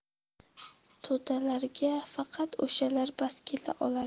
to'dalarga faqat o'shalar bas kela oladi